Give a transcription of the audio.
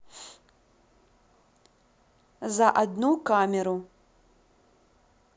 за одну камеру